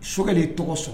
Sokɛli ye tɔgɔ sɔrɔ